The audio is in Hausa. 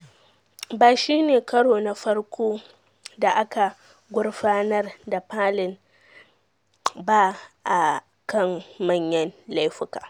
Ba shi ne karo na farko da aka gurfanar da Palin ba akan manyan laifuka.